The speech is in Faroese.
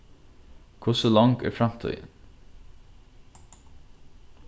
hvussu long er framtíðin